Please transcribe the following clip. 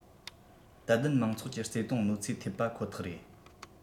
དད ལྡན མང ཚོགས ཀྱི བརྩེ དུང གནོད འཚེ ཐེབས པ ཁོ ཐག རེད